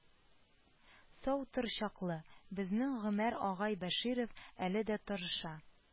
Сау тор чаклы, безнең гомәр агай бәширов , әле дә тырыша,